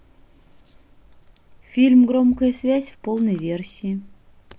фильм громкая связь в полной версии